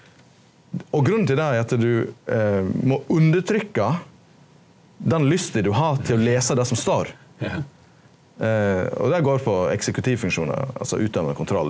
og grunnen til det er at du må undertrykka den lysta du har til å lesa det som står og det går på eksekutivfunksjonar altså utøvande kontroll.